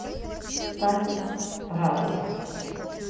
танец радуга